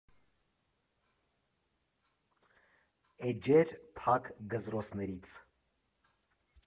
Էջեր փակ գզրոցներից։